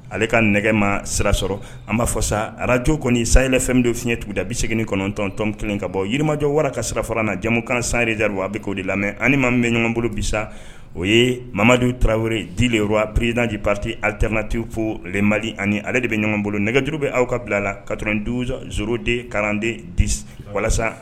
Ale ka nɛgɛma sira sɔrɔ an b'a fɔ sa arajo kɔni sayla fɛn don fiɲɛɲɛ tuguda bi segin9tɔntɔn kelen ka bɔ yirimajɔ wara ka sira fara na jamumukan sanediri a bɛ'o de lamɛn ani maa bɛ ɲɔgɔn bolo bisa o ye mamadi taraweleri di de pririnaji pariti ternati ko mali ani ale de bɛ ɲɔgɔn bolo nɛgɛjuru bɛ aw ka bila la ka dɔrɔn duuru szo de kalanden di walasa